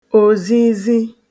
òzizi